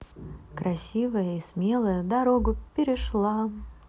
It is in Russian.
красивая и смелая дорогу перешла